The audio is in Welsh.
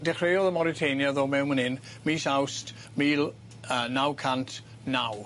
Dechreuodd y Moritania ddo' mewn myn 'yn mis Awst mil yy naw cant naw.